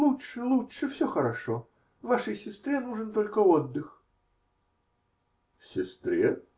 -- Лучше, лучше; все хорошо: вашей сестре нужен только отдых. -- Сестре?